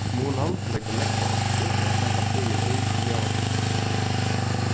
kommunan leggur nógva orku í at lata býin í til jóansøkuna